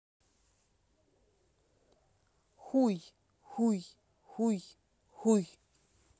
хуй хуй хуй хуй